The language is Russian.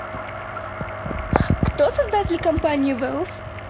кто создатель компании valve